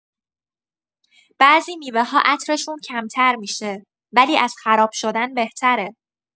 بعضی میوه‌ها عطرشون کمتر می‌شه، ولی از خراب شدن بهتره.